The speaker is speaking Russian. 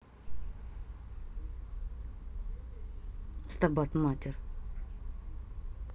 стабат матер